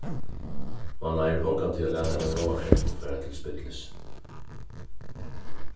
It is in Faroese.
man eigur ongantíð at lata eina góða kreppu fara til spillis